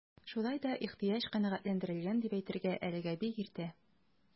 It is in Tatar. Шулай да ихтыяҗ канәгатьләндерелгән дип әйтергә әлегә бик иртә.